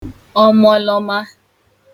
ọmọlọma